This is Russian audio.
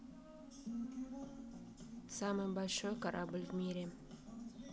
самый большой корабль в мире